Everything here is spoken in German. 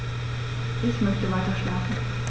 Ich möchte weiterschlafen.